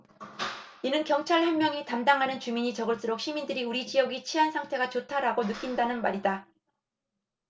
이는 경찰 한 명이 담당하는 주민이 적을수록 시민들이 우리 지역의 치안 상태가 좋다라고 느낀다는 말이다